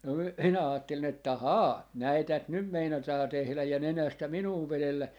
no - minä ajattelin että haa näin tätä nyt meinataan tehdä ja nenästä minua vedellä